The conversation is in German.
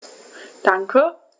Danke.